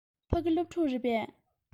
ཕ གི སློབ ཕྲུག རེད པས